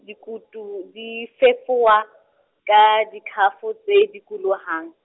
dikutu, di fefuwa , ka dikhafo, tse dikolohang.